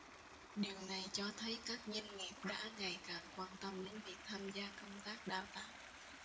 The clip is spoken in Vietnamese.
điều này cho thấy các doanh nghiệp đã ngày càng quan tâm đến việc tham gia công tác đào tạo